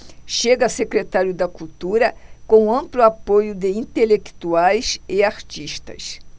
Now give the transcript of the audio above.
chega a secretário da cultura com amplo apoio de intelectuais e artistas